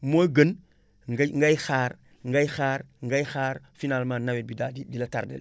moo gën ngay ngay xaar ngay xaar ngay xaar finalement nawet bi daal di di la tardé